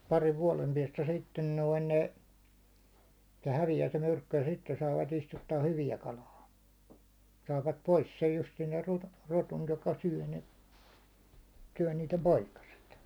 parin vuoden päästä sitten noin ne se häviää se myrkky ja sitten saavat istuttaa hyvää kalaa saavat pois sen justiin sen - ruton joka syö ne syö niiden poikaset